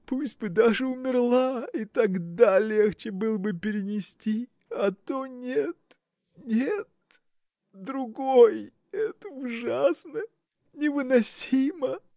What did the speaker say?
пусть бы даже умерла – и тогда легче было бы перенести. а то нет, нет. другой! это ужасно, невыносимо!